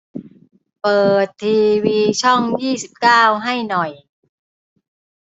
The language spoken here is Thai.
เปิดทีวีช่องยี่สิบเก้าให้หน่อย